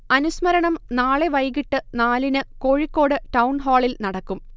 അനുസ്മരണം നാളെ വൈകിട്ട് നാലിന് കോഴിക്കോട് ടൗൺഹാളിൽ നടക്കും